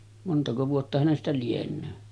montako vuotta hänestä lienee